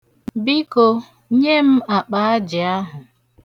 Biko, nye m akpa ajị ahụ.